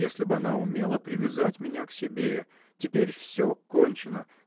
если б она умела привязать меня к себе. Теперь все кончено.